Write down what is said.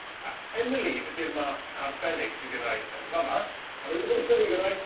a Emily ydi'r math arbennig sy gynnai yn fa' 'ma a ma' n'w 'di bod yn tyfu gynnai